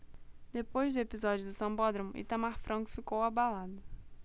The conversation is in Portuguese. depois do episódio do sambódromo itamar franco ficou abalado